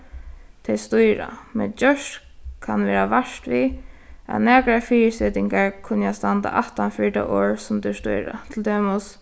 tey stýra men gjørt kann verða vart við at nakrar fyrisetingar kunna standa aftan fyri tað orð sum tær stýra til dømis